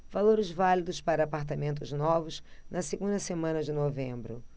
valores válidos para apartamentos novos na segunda semana de novembro